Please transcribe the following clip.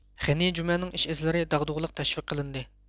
غېنى جۈمەنىڭ ئىش ئىزلىرى داغدۇغىلىق تەشۋىق قىلىندى